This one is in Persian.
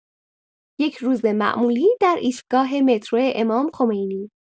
یک روز معمولی در ایستگاه مترو امام‌خمینی